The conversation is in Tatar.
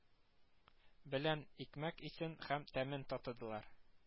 Белән икмәк исен һәм тәмен татыдылар